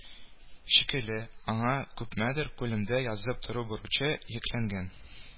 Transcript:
Шикелле, аңа күпмәдер күлемдә язып тору бурычы йөкләнгән